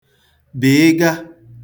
bị̀ịga